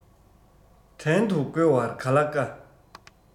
བྲན དུ བཀོལ བར ག ལ དཀའ